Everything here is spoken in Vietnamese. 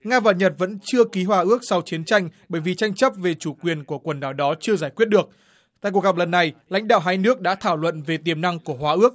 nga và nhật vẫn chưa ký hòa ước sau chiến tranh bởi vì tranh chấp về chủ quyền của quần đảo đó chưa giải quyết được tại cuộc gặp lần này lãnh đạo hai nước đã thảo luận về tiềm năng của hòa ước